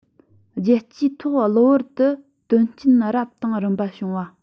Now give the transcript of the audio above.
རྒྱལ སྤྱིའི ཐོག གློ བུར དུ དོན རྐྱེན རབ དང རིམ པ བྱུང བ